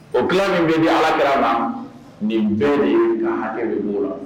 O tila min bɛ ni ala kɛra na nin bɛ ka hakɛ'o la